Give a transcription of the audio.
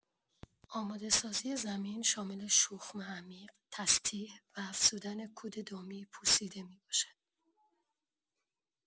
آماده‌سازی زمین شامل شخم عمیق، تسطیح و افزودن کود دامی پوسیده می‌باشد.